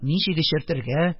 Ничек эчертергә,